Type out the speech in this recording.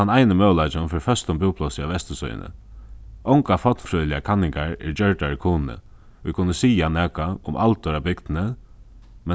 tann eini møguleikin fyri føstum búplássi á vestursíðuni ongar fornfrøðiligar kanningar eru gjørdar í kunoy ið kunnu siga nakað um aldur á bygdini